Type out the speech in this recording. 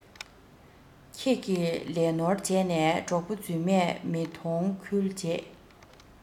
ཁྱེད ཀྱི ལས ནོར བྱས ནས གྲོགས པོ རྫུན མས མི མཐོང ཁུལ བྱེད